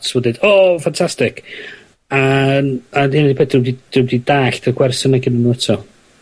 wedyn o fantastic, a'n a'r unig peth dwi'm 'di d'wi'm 'di dallt y gwers yna gennym nw eto.